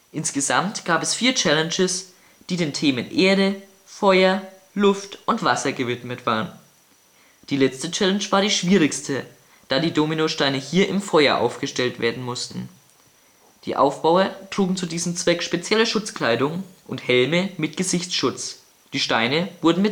Insgesamt gab es vier Challenges, die den Themen Erde, Feuer, Luft und Wasser gewidmet waren. Die letzte Challenge war die schwierigste, da die Dominosteine hier im Feuer aufgestellt werden mussten. Die Aufbauer trugen zu diesem Zweck spezielle Schutzkleidung und Helme mit Gesichtsschutz, die Steine wurden